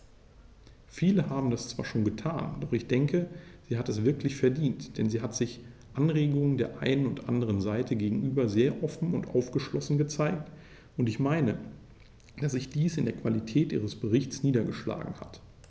Viele haben das zwar schon getan, doch ich denke, sie hat es wirklich verdient, denn sie hat sich Anregungen der einen und anderen Seite gegenüber sehr offen und aufgeschlossen gezeigt, und ich meine, dass sich dies in der Qualität ihres Berichts niedergeschlagen hat.